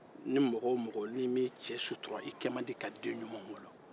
ni mɔgɔ o mɔgɔ m'i cɛ sutura i kɛ man di ka denɲuman wolo